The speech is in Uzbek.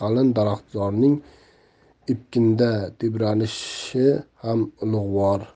daraxtzorning epkinda tebranishi ham ulug'vor